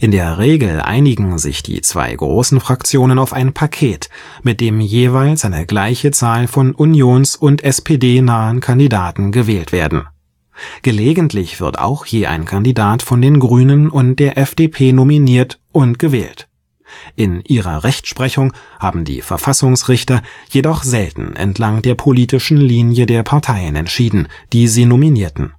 der Regel einigen sich die zwei großen Fraktionen auf ein „ Paket “, mit dem jeweils eine gleiche Zahl von Unions - und SPD-nahen Kandidaten gewählt werden. Gelegentlich wird auch je ein Kandidat von den Grünen und der FDP nominiert und gewählt. In ihrer Rechtsprechung haben die Verfassungsrichter jedoch selten entlang der politischen Linie der Parteien entschieden, die sie nominierten